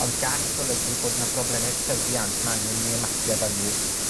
ond gall olygu bod 'na brobleme tyfiant ma' angen i ni ymateb â nw,